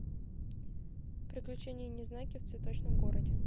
приключения незнайки в цветочном городе